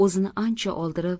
o'zini ancha oldirib